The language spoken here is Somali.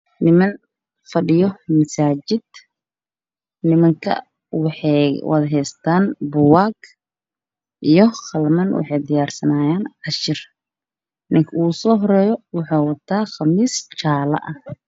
Niman badhiyo misaajida nimanka wxaa wada heystaa Boogaag oo qaliman wxey diyaarsanayaan cashir ninka ugu soo horeyo wxuu wadaa qamiis yaalo ah